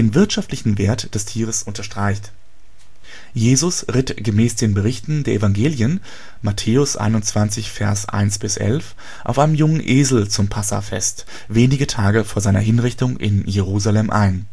wirtschaftlichen Wert des Tieres unterstreicht. Jesus ritt gemäß den Berichten der Evangelien (Mt 21,1-11) auf einem jungen Esel zum Passahfest wenige Tage vor seiner Hinrichtung in Jerusalem ein